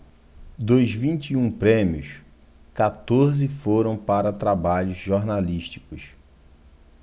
dos vinte e um prêmios quatorze foram para trabalhos jornalísticos